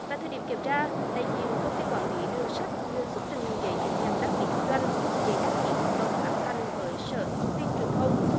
tại thời điểm kiểm tra đại diện công ty quản lý đường sắt chưa xuất trình giấy chứng nhận đăng ký kinh doanh giấy đăng ký hoạt động phát hành với sở thông tin truyền thông